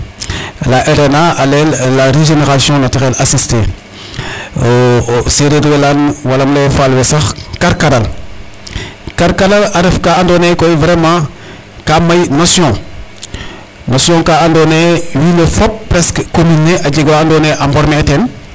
La RNA a layel la regénération naturelle assisté seereer we layan wala layan Fall we sax karkaral karkarala ref ka andoona yee koy vraiment ka may notion. Notion ka andoona yee wiin we fop presque commune ne a jega wa andoona yee a formé e teen .